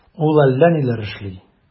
Ул әллә ниләр эшли...